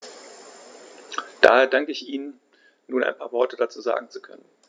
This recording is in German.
Daher danke ich Ihnen, nun ein paar Worte dazu sagen zu können.